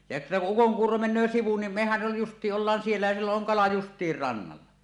ja että kun ukonkuuro menee sivu niin mehän jo justiin ollaan siellä ja silloin on kala justiin rannalla